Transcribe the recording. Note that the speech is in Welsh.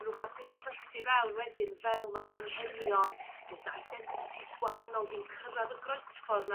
yn wbath sy'n plethu fewn wedyn fel ma' d'anghenion ne' dy identities gwahanol di'n cyrradd y groesffor